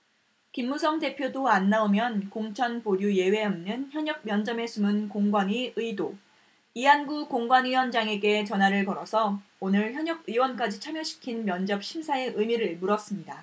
김무성 대표도 안 나오면 공천 보류 예외 없는 현역 면접에 숨은 공관위 의도이한구 공관위원장에게 전화를 걸어서 오늘 현역 의원까지 참여시킨 면접심사의 의미를 물었습니다